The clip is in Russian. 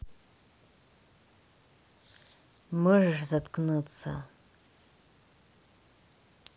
можешь заткнуться